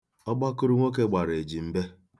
Ọgbakụrụnwokē gbara Ejimbe.